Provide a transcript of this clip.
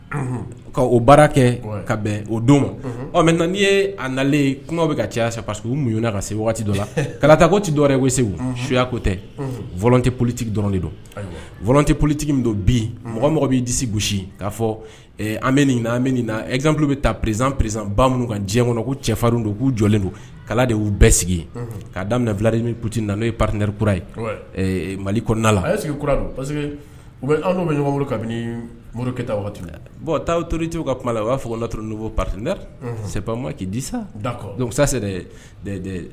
Mɛ n' yelen kuma bɛ caya pa se laɛrɛ su ko tɛte politigi dɔrɔnteolitigi don bi mɔgɔi di gosi k'a fɔ an bɛ nin an bɛ nin esan bɛ ta perez prezsan ba minnu ka diɲɛ kɔnɔ ko cɛfarin don k'u jɔlen don kala de y'u bɛɛ sigi ka daminɛ filadi pte na n'o p paridɛrikura ye mali kɔnɔna parce u bɛ anw bɛ ɲɔgɔn bolo kabini morikɛ la bɔn taa to te ka kuma la u y'a fɔ n n' p paritidɛ' disa da